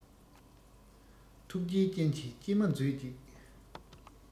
ཐུགས རྗེའི སྤྱན གྱིས སྐྱེལ མ མཛོད ཅིག